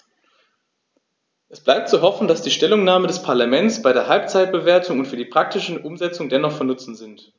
Es bleibt zu hoffen, dass die Stellungnahmen des Parlaments bei der Halbzeitbewertung und für die praktische Umsetzung dennoch von Nutzen sind.